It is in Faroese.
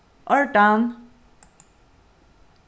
ordan